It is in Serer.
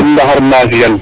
ndaxar na fi'an